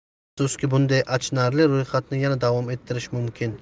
afsuski bunday achinarli ro'yxatni yana davom ettirish mumkin